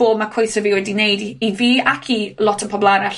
bo' ma' coese fi wedi wneud i i fi ac i lot o pobol arall